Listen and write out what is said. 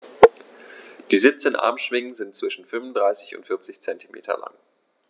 Die 17 Armschwingen sind zwischen 35 und 40 cm lang.